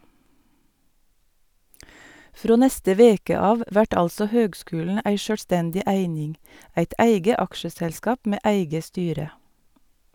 Frå neste veke av vert altså høgskulen ei sjølvstendig eining, eit eige aksjeselskap med eige styre.